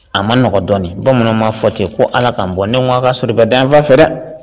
A ma nɔgɔn dɔɔnin bamananwma fɔ ten ko ala ka bɔn ne ka surbɛ danfa fɛ dɛ